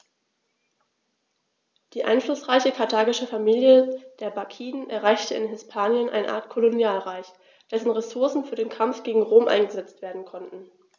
Die einflussreiche karthagische Familie der Barkiden errichtete in Hispanien eine Art Kolonialreich, dessen Ressourcen für den Kampf gegen Rom eingesetzt werden konnten.